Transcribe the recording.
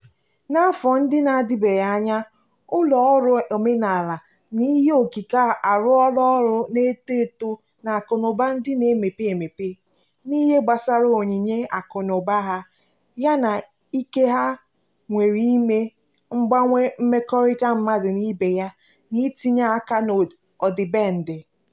N'afọ ndị na-adịbeghị anya, ụlọ ọrụ omenala na ihe okike arụọla ọrụ na-eto eto n'akụnụba ndị na-emepe emepe, n'ihe gbasara onyinye akụ na ụba ha yana ike ha nwere ime mgbanwe mmekọrịta mmadụ na ibe ya na itinye aka na ọdibendị.